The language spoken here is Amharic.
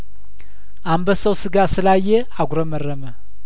አንበሳው ስጋ ስላየ አጉረመረመ